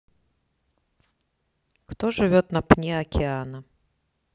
кто живет на пне океана